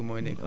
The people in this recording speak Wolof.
voilà